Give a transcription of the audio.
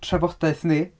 Trafodaeth ni.